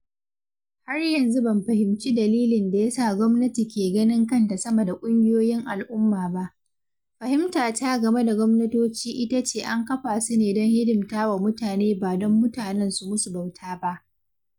Har yanzu ban fahimci dalilin da ya sa gwamnati ke ganin kanta sama da ƙungiyoyin al'umma ba, fahimtata game da gwamnatoci ita ce an kafa su ne don hidimta wa mutane ba don mutanen su musu bauta ba.